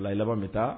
A i laban bɛ taa